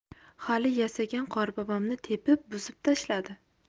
hali yasagan qorbobomni tepib buzib tashladi